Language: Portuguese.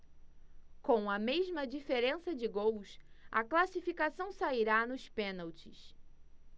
com a mesma diferença de gols a classificação sairá nos pênaltis